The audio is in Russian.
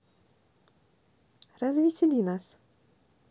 развесели нас